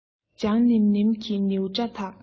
ལྗང ནེམ ནེམ གྱི ནེའུ སྐྲ དག